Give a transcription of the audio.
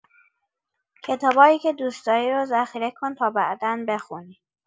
کتابایی که دوست‌داری رو ذخیره کن تا بعدا بخونی.